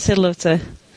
...sylw ti.